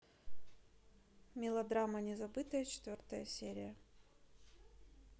мелодрама незабытая четвертая серия